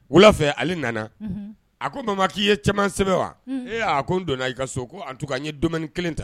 Wula fɛ ale nana a ko mama k'i ye cɛman sɛbɛn wa ee a ko n donna i ka so ko an tun' an ye dumuni kelen ta